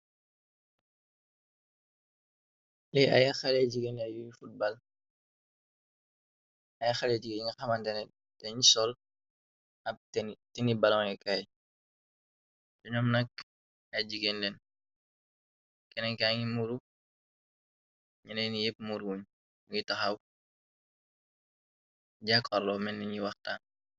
Le ay xale jigéen yuy futbal ay xale jigéen yi nga xamantene te ñi sol ab teni balangekaay doñoom nakk ay jigéendeen ken kaa ngi muru ñanay ni yépp muru wuñ ngiy taxawjàkk arlo menniñi waxtaan.